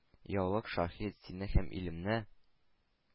Яулык шаһит: сине һәм илемне